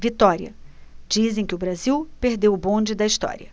vitória dizem que o brasil perdeu o bonde da história